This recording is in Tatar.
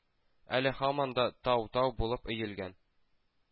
Әле һаман да тау-тау булып өелгән